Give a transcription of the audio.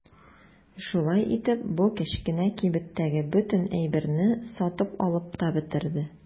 Шулай итеп бу кечкенә кибеттәге бөтен әйберне сатып алып та бетерде.